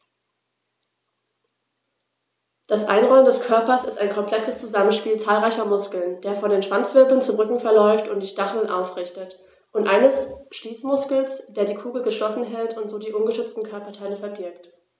Das Einrollen des Körpers ist ein komplexes Zusammenspiel zahlreicher Muskeln, der von den Schwanzwirbeln zum Rücken verläuft und die Stacheln aufrichtet, und eines Schließmuskels, der die Kugel geschlossen hält und so die ungeschützten Körperteile verbirgt.